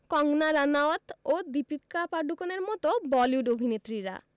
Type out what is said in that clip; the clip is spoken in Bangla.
কঙ্গনা রানাউত ও দীপিকা পাডুকোনের মতো বলিউড অভিনেত্রীরা